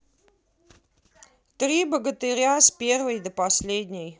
три богатыря с первой до последней